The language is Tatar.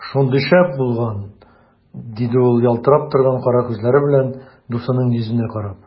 Шундый шәп булган! - диде ул ялтырап торган кара күзләре белән дусының йөзенә карап.